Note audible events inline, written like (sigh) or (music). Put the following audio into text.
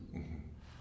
(hesitation) (hesitation)